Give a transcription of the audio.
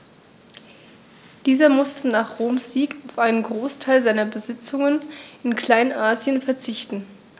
Dieser musste nach Roms Sieg auf einen Großteil seiner Besitzungen in Kleinasien verzichten.